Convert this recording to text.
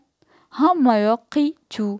hammayoq qiy chuv